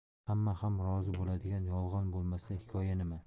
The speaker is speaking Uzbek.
hamma ham rozi bo'ladigan yolg'on bo'lmasa hikoya nima